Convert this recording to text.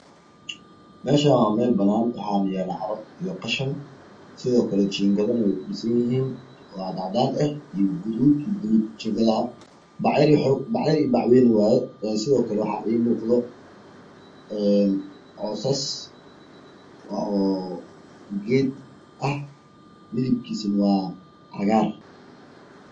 Meeshaan waa meel banaan waxaana yaalo caro iyo qashin sidoo kale jiingadana way ku dhisanyihiin oo cadcadaan ah iyo guduud iyo buluug jiingado ah bac yar iyo bac wayn waaye een sidoo kale waxaa ii muuqda een coosas oo geed ah midabkiisana waa cagaar